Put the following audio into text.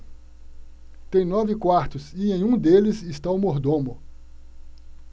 tem nove quartos e em um deles está o mordomo